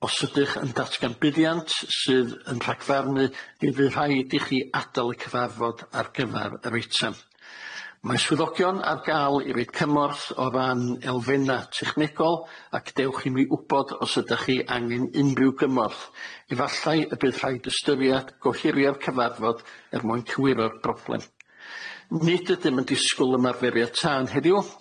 Os ydych yn datgan buddiant sydd yn rhagfarnu bydd rhaid i chi adal y cyfarfod ar gyfar yr eitam. Mae swyddogion ar ga'l i roid cymorth o ran elfenna' technegol ac dewch i mi wbod os ydach chi angen unrhyw gymorth efallai y bydd rhaid ystyriad gohirio'r cyfarfod er mwyn cywiro'r broblem. Nid ydym yn disgwl ymarferiad tân heddiw.